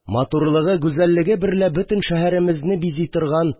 Матурлыгы, гүзәллеге берлә бөтен шәһәремезне бизи торган